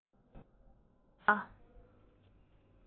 མིག གི ཟུར མདའ འཕེན པ